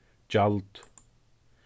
gjald